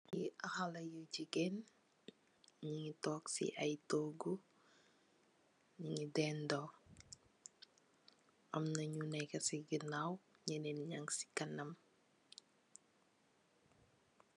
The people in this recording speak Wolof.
Xalèh yu jigéen ñi ngi tóóg ci ay tóógu, ñi dendó am na ñu nekka ci ganaw ñenen ñañ ci kanam.